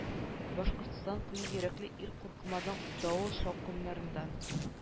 Башкортстан кыю йөрәкле ил куркымадың давыл шаукымнардан